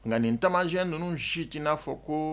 Nka ninnu taamasiyɛn ninnu si t'i n'a fɔ ko